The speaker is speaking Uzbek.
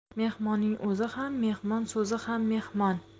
mehmonning o'zi ham mehmon so'zi ham mehmon